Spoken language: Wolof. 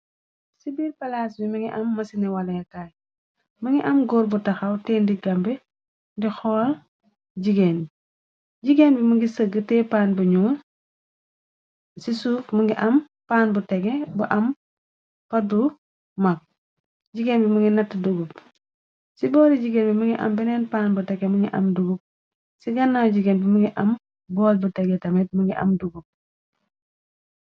ci biir palaas bi mingi am mësini walekaay më ngi am góor bu taxaw tee ndigamb di xool jigéen yi jigéen bi më ngi sëgg te paan bu ñu ci suuk m ngi am paan bu tege bu am paddu mag jigéen b mngi nt dug ci boori jigéen bi më ngi am beneen paan bu tege ma ngi am dugug ci gannaaw jigéen bi mëngi am bool bu tege tamit mëngi am dugu